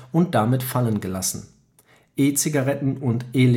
und damit fallengelassen; E-Zigaretten und E-Liquids